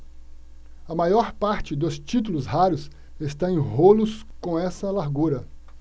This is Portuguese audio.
a maior parte dos títulos raros está em rolos com essa largura